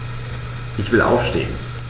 Ich will aufstehen.